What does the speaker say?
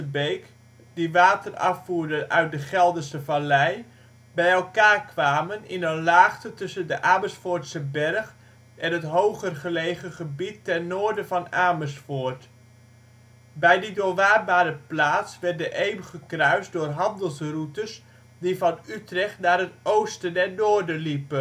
beken die water afvoerden uit de Gelderse Vallei kwamen bij elkaar in een laagte tussen de Amersfoortse Berg en het hoger gelegen gebied ten noorden van Amersfoort (Hoogland). Bij die doorwaadbare plaats werd de Eem gekruist door handelsroutes die van Utrecht naar het oosten en noorden liepen